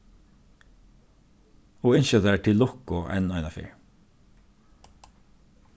og ynskja tær til lukku enn einaferð